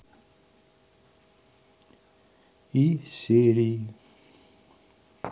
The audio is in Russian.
и серии